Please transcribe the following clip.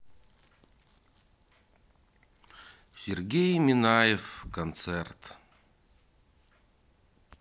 сергей минаев концерт